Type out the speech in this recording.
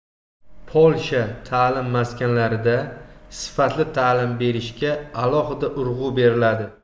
polsha ta'lim maskanlarida sifatli ta'lim berilishiga alohida urg'u beriladi